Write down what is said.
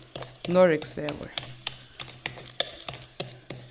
noregsvegur